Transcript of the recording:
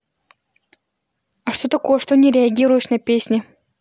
а что такое что не реагируешь на песни